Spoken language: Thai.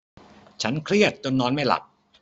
ฉันเครียดจนอนไม่หลับ